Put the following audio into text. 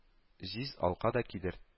Җиз алка да кидер